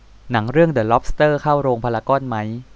หนังเรื่องเดอะล็อบสเตอร์เข้าโรงพารากอนมั้ย